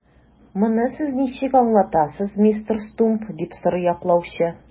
Моны сез ничек аңлатасыз, мистер Стумп? - дип сорый яклаучы.